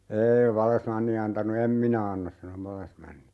ei vallesmanni antanut en minä anna sanoi vallesmanni